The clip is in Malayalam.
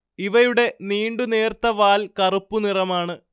ഇവയുടെ നീണ്ടു നേർത്ത വാൽ കറുപ്പു നിറമാണ്